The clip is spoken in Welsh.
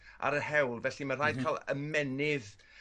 ar yr hewl felly ma' rhaid ca'l ymennydd